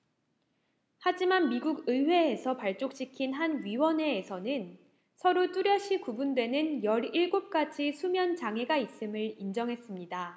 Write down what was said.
하지만 미국 의회에서 발족시킨 한 위원회에서는 서로 뚜렷이 구분되는 열 일곱 가지 수면 장애가 있음을 인정했습니다